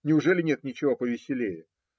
Неужели нет ничего повеселее?